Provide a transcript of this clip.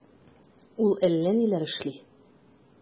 Ул әллә ниләр эшли...